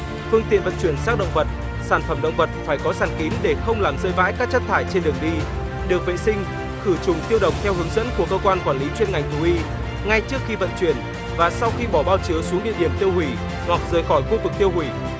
phương tiện vận chuyển xác động vật sản phẩm động vật phải có sàn kín để không làm rơi vãi các chất thải trên đường đi được vệ sinh khử trùng tiêu độc theo hướng dẫn của cơ quan quản lý chuyên ngành thú y ngay trước khi vận chuyển và sau khi bỏ bao chứa xuống địa điểm tiêu hủy hoặc rời khỏi khu vực tiêu hủy